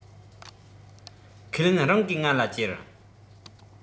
ཁས ལེན རང གིས ང ལ ཅེར